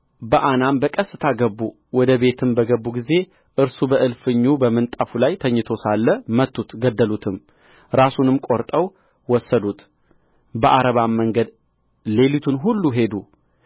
በዓናም በቀስታ ገቡ ወደ ቤትም በገቡ ጊዜ እርሱ በእልፍኙ በምንጣፉ ላይ ተኝቶ ሳለ መቱት ገደሉትም ራሱንም ቈርጠው ወሰዱት በዓረባም መንገድ ሌሊቱን ሁሉ ሄዱ